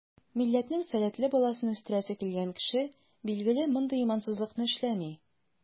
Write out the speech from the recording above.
Милләтнең сәләтле баласын үстерәсе килгән кеше, билгеле, мондый имансызлыкны эшләми.